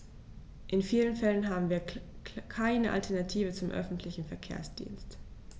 In vielen Fällen haben wir keine Alternative zum öffentlichen Verkehrsdienst.